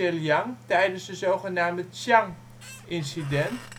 tijdens het zogenaamde Xian Incident